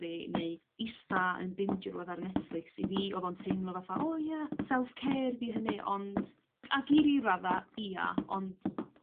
fi neu ista yn binjo oddi ar Netflix i fi odd o'n teimlo fatha o ia self care 'di hynny ond... Ag i ryw radda ia ond